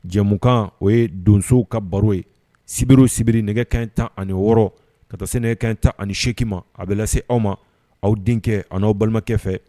Jɛmukan o ye donso ka baro ye sibiriro sibiri nɛgɛ kɛ tan ani wɔɔrɔ ka taa sɛnɛ kɛ tan ani sekima a bɛ lase aw ma aw denkɛ ani awaw balimakɛ fɛ